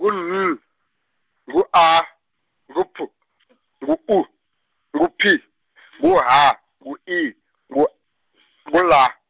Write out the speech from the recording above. ngu N, ngu A, ngu P , ngu U, ngu P, ngu H, ngu I, ngu , ngu L.